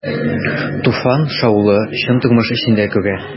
Туфан шаулы, чын тормыш эчендә күрә.